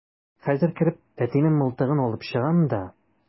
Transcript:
Хәзер кереп әтинең мылтыгын алып чыгам да...